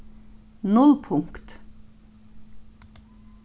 nullpunkt